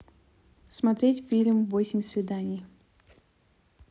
смотреть фильм восемь свиданий